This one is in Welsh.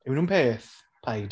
Yw nhw'n peth? Paid.